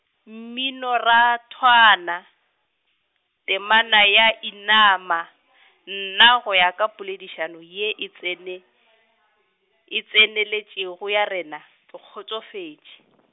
mminorathwana, temana ya inama, nna go ya ka poledišano ye e tsene, e tseneletšego ya rena, ke kgotsofetše.